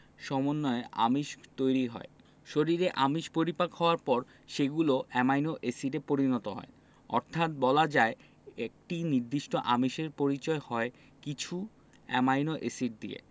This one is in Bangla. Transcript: সমন্বয়ে আমিষ তৈরি হয় শরীরে আমিষ পরিপাক হওয়ার পর সেগুলো অ্যামাইনো এসিডে পরিণত হয় অর্থাৎ বলা যায় একটি নির্দিষ্ট আমিষের পরিচয় হয় কিছু অ্যামাইনো এসিড দিয়ে